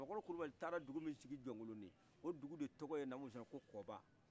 samakɔrɔ kulibali taara dugu min sigi jɔnkolonnin o dugu de tɔgɔ ye naamuzankokɔba